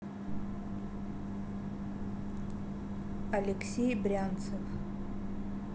алексей брянцев